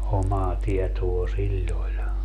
omaa tietoa sillä oli